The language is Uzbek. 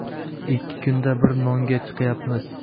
ikki kunda bir nonga chiqyapmiz